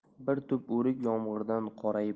bir tup o'rik yomg'irdan qorayib